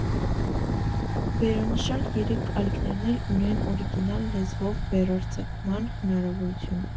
Վերոնշյալ երեք ալիքներն էլ ունեն օրիգինալ լեզվով հեռարձակման հնարավորություն։